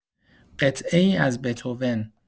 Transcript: قطعه‌ای از بتهوون